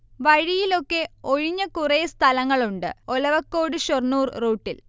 വഴിയിലൊക്കെ ഒഴിഞ്ഞ കുറേ സ്ഥലങ്ങളുണ്ട്, ഒലവക്കോട്-ഷൊർണൂർ റൂട്ടിൽ